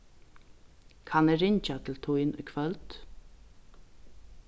kann eg ringja til tín í kvøld